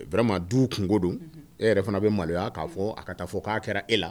Bɛ du kungo don e yɛrɛ fana bɛ maloya k'a fɔ ka taa fɔ k'a kɛra e la